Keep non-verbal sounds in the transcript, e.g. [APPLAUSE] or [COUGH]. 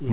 [HESITATION] [HESITATION]